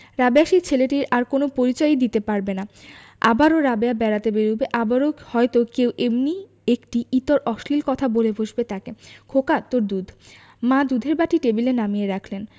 রাবেয়া সেই ছেলেটির আর কোন পরিচয়ই দিতে পারবে না আবারও রাবেয়া বেড়াতে বেরুবে আবারো হয়তো কেউ এমনি একটি ইতর অশ্লীল কথা বলে বসবে তাকে খোকা তোর দুধ মা দুধের বাটি টেবিলে নামিয়ে রাখলেন